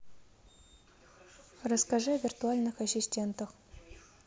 расскажи о виртуальных ассистентах